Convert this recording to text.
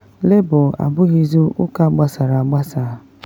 Labour abughịzị ụka gbasara agbasa.